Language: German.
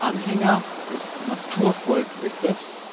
Anhänger des " Naturvolk "- Begriffs